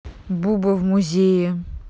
буба в музее